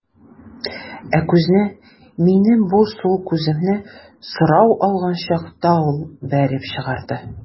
Ә күзне, минем бу сул күземне, сорау алган чакта ул бәреп чыгарды.